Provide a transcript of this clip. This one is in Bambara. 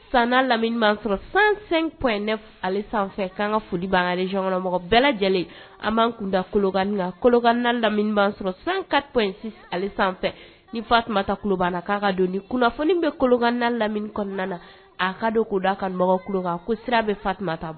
Sanini san sanpɛ sanfɛ k' ka foli bankɔnɔmɔgɔ bɛɛ lajɛlen an b'an kunda kolokan kolokan lamini sɔrɔ sanka ali sanfɛ ni fatumataba na k'a ka don ni kunnafoni bɛ kolokanan lamini kɔnɔna na a ka don ko da a kamɔgɔkan ko sira bɛ fatumata